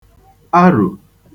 arò